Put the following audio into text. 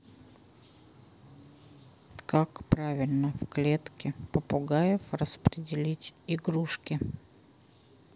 как правильно в клетке попугаев распределить игрушки